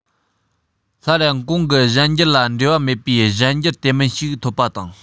སླར ཡང གོང གི གཞན འགྱུར ལ འབྲེལ བ མེད པའི གཞན འགྱུར དེ མིན ཞིག ཐོབ པ དང